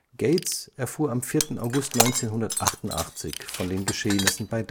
Gates erfuhr am 4. August 1988 von den Geschehnissen bei